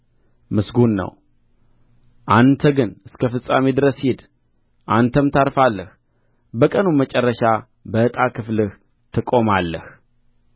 ምስጉን ነው አንተ ግን እስከ ፍጻሜው ድረስ ሂድ አንተም ታርፋለህ በቀኑም መጨረሻ በዕጣ ክፍልህ ትቆማለህ